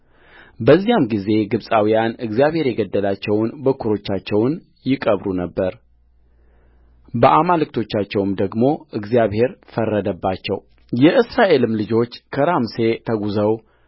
በዚያም ጊዜ ግብፃውያን እግዚአብሔር የገደላቸውን በኵሮቻቸውን ይቀብሩ ነበር በአማልክቶቻቸውም ደግሞ እግዚአብሔር ፈረደባቸውየእስራኤልም ልጆች ከራምሴ ተጕዘው በሱኮት ሰፈሩ